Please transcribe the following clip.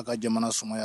A ka jamana sumaya